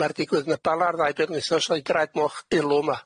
Ma'r digwydd yn y Bala'r ddau beddw neithnos a'i draed moch elw yma.